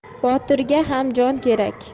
botirga ham jon kerak